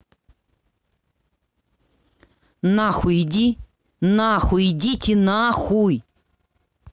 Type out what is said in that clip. нахуй иди нахуй идите нахуй